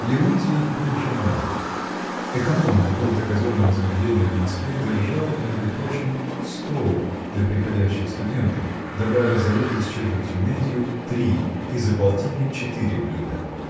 Леонтий был женат. Эконом какого-то казенного заведения в Москве держал между прочим стол для приходящих студентов, давая за рубль с четвертью медью три, а за полтинник четыре блюда.